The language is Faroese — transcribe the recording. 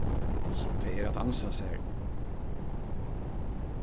so tað er at ansa sær